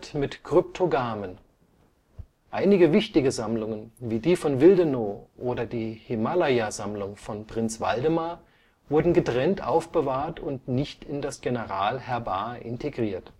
mit Kryptogamen. Einige wichtige Sammlungen, wie die von Willdenow oder die Himalaya-Sammlung von Prinz Waldemar, wurden getrennt aufbewahrt und nicht in das Generalherbar integriert